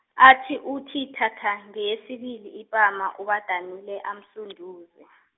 athi uthi thatha, ngeyesibili ipama, uBadanile amsunduze .